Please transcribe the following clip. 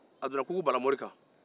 a donna kukubalamori kan